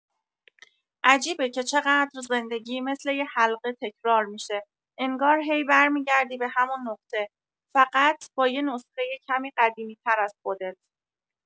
عجیبه که چقدر زندگی مثل یه حلقه تکرار می‌شه، انگار هی برمی‌گردی به همون نقطه، فقط با یه نسخۀ کمی قدیمی‌تر از خودت.